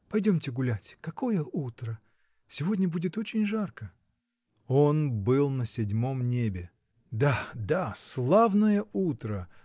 — Пойдемте гулять: какое утро! Сегодня будет очень жарко. Он был на седьмом небе. — Да, да, славное утро!